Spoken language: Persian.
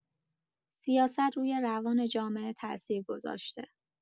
سیاست روی روان جامعه تاثیر گذاشته.